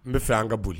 N bɛ fɛ' an ka boli